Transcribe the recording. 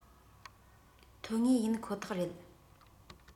ཐོན ངེས ཡིན ཁོ ཐག རེད